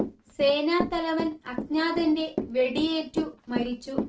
സേനാ തലവൻ അജ്ഞാതന്റെ വെടിയേറ്റു മരിച്ചു